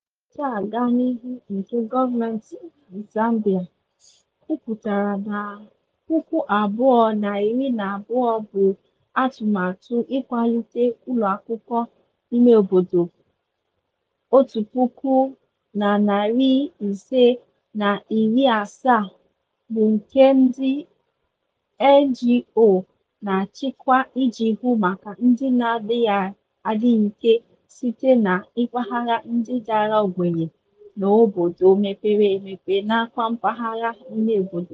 Iwu kacha aga n'ihu nke gọọmentị Zambia kwupụtara na 2012 bụ atụmatụ ịkwalite ụlọakwụkwọ imeobodo 1,570 bụ nke ndị NGO na-achịkwa iji hụ maka ndị na-adịghị ike sitere na mpaghara ndị dara ogbenye n'obodo mepere emepe nakwa mpaghara imeobodo.